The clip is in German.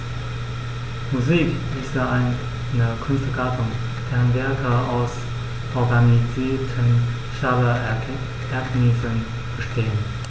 Musik ist eine Kunstgattung, deren Werke aus organisierten Schallereignissen bestehen.